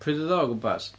Pryd oedd o o gwmpas?